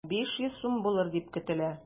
500 сум булыр дип көтелә.